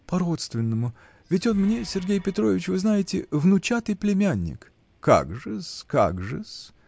-- По-родственному: ведь он мне, Сергей Петрович, вы знаете, внучатный племянник. -- Как же-с, как же-с.